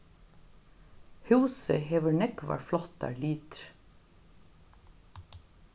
húsið hevur nógvar flottar litir